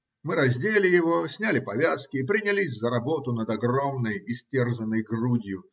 мы раздели его, сняли повязки и принялись за работу над огромной истерзанной грудью.